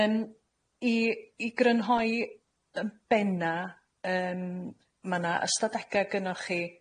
Yym i i grynhoi yn benna, yym ma' 'na ystadege gynnoch chi